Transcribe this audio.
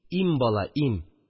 Им, бала, им